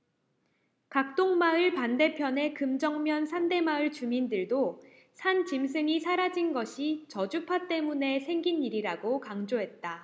각동마을 반대편의 금정면 산대마을 주민들도 산짐승이 사라진 것이 저주파 때문에 생긴 일이라고 강조했다